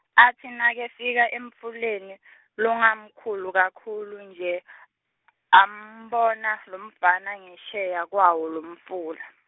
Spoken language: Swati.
atsi nakefika emfuleni , longamkhulu kakhulu nje , am bona lomfana ngensheya kwawo lomfula.